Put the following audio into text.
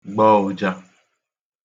gbọ ụja